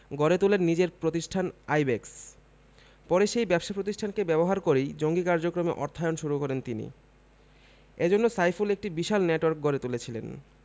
গড়ে তোলেন নিজের প্রতিষ্ঠান আইব্যাকস পরে সেই ব্যবসা প্রতিষ্ঠানকে ব্যবহার করেই জঙ্গি কার্যক্রমে অর্থায়ন শুরু করেন তিনি এ জন্য সাইফুল একটি বিশাল নেটওয়ার্ক গড়ে তুলেছিলেন